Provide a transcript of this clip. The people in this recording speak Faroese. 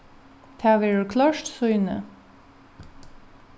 tað verður klárt sýni